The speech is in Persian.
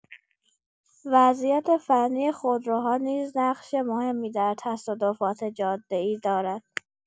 وضعیت فنی خودروها نیز نقش مهمی در تصادفات جاده‌ای دارد.